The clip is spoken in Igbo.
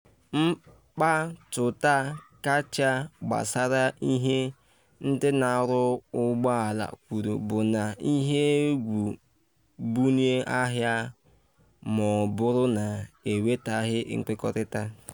Mkpatụta kacha gbasara ihe ndị na-arụ ụgbọ ala kwuru bụ n’ihe egwu mbunye ahịa ma ọ bụrụ na enwetaghị nkwekọrịta.